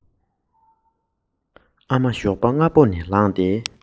ཁ བ བབས པའི ཞོགས པ དང ངའི བར ལ